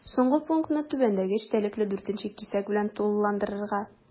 Соңгы пунктны түбәндәге эчтәлекле 4 нче кисәк белән тулыландырырга.